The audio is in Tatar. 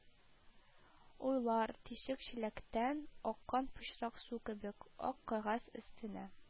Уйлар, тишек чиләктән аккан пычрак су кебек, ак кәгазь өстенә